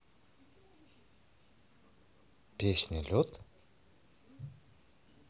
песня лед